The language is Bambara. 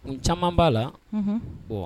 Kun caman b'a la